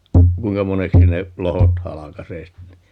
kuinka moneksi ne lohkot halkaisee sitten -